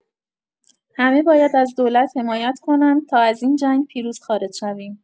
همه باید از دولت حمایت کنند تا از این جنگ پیروز خارج شویم.